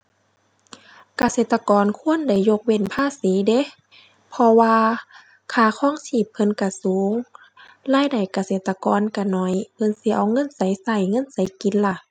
เกษตรกรควรได้ยกเว้นภาษีเดะ เพราะว่าค่าครองชีพเพิ่นก็สูง รายได้เกษตรกรก็น้อย เพิ่นสิเอาเงินไสก็เงินไสกินล่ะ